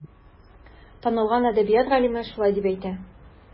Танылган әдәбият галиме шулай дип әйтә.